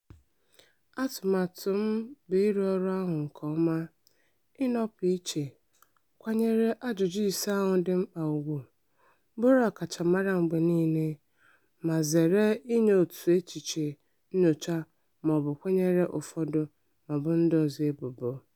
Atụmatụ m bụ ịrụ ọrụ ahụ nke ọma: ịnọpụ iche, kwanyere ajụjụ ise ahụ dị mkpa ùgwù, bụrụ ọkachamara mgbe niile, ma zere inye otu echiche nnyocha maọbụ kwenyere ụfọdụ ma bo ndị ọzọ ebubo.